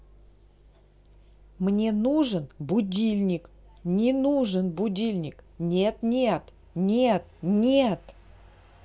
мне нужен будильник не нужен будильник нет нет нет нет